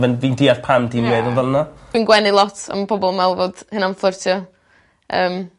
Ma'n fi'n deall pam ti'n meddwl felna. Fi'n gwenu lot a ma' pobol yn mewl bod hynna'n fflyrtio yym.